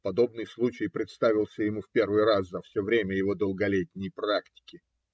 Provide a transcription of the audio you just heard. подобный случай представился ему в первый раз за все время его долголетней практики.